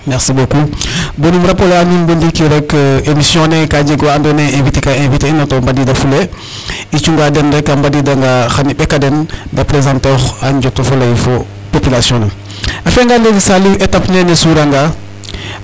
Merci beaucoup bon um rappeler a nuun bo ndiik rek emission ne ka jeg wa andoona yee inviter ka inviter enayo to mbadiidafulee i cunga den rek. A mbadiidanga xan i ɓek a den da présenter oox a njoot o lay fo population ne .